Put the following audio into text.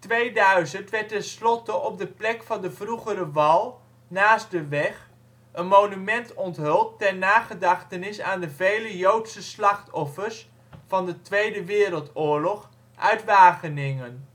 2000 werd tenslotte op de plek van de vroegere wal, naast de weg, een monument onthuld ter nagedachtenis aan de vele Joodse slachtoffers van de Tweede Wereldoorlog uit Wageningen